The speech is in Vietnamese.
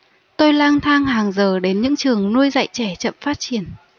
tôi lang thang hàng giờ đến những trường nuôi dạy trẻ chậm phát triển